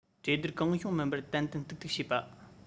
གྲོས སྡུར གང བྱུང མིན པར བརྟན བརྟན ཏིག ཏིག བྱས པ